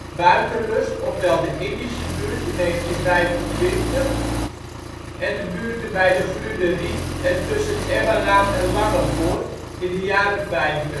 Buitenlust ofwel de Indische Buurt (1925) en de buurten bij de Grunerie en tussen Emmalaan en Lange Voort (jaren ' 50). In de jaren